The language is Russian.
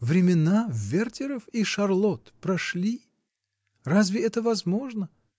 Времена Вертеров и Шарлотт прошли. Разве это возможно?